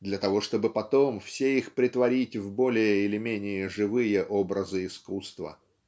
для того чтобы потом все их претворить в более или менее живые образы искусства.